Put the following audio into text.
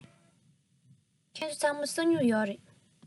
ཁྱེད ཚོ ཚང མར ས སྨྱུག ཡོད རེད